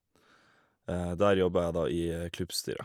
Der jobber jeg da i Klubbstyret.